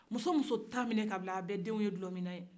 muso o muso t'a minɛ k'a bila a bɛɛ denw ye dulɔ minna ye